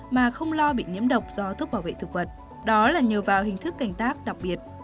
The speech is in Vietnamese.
mà không lo bị nhiễm độc do thuốc bảo vệ thực vật đó là nhờ vào hình thức canh tác đặc biệt